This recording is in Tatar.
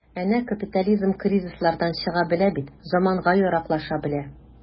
Әнә капитализм кризислардан чыга белә бит, заманга яраклаша белә.